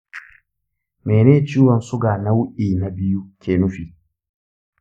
mene ciwon suga nau'i na biyu ke nufi?